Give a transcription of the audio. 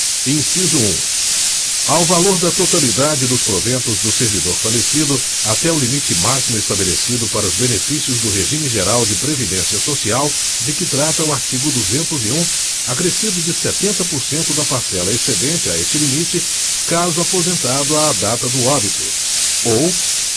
inciso um ao valor da totalidade dos proventos do servidor falecido até o limite máximo estabelecido para os benefícios do regime geral de previdência social de que trata o artigo duzentos e um acrescido de setenta por cento da parcela excedente a este limite caso aposentado à data do óbito ou